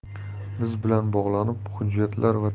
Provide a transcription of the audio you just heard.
biz bilan bog'lanib hujjatlar va